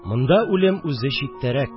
Монда үлем үзе читтәрәк